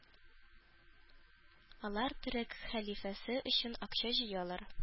Алар төрек хәлифәсе өчен акча җыялар